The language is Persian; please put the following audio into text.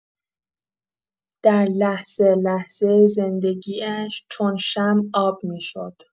در لحظه‌لحظه زندگی‌اش چون شمع آب می‌شد.